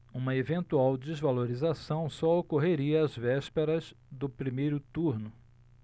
uma eventual desvalorização só ocorreria às vésperas do primeiro turno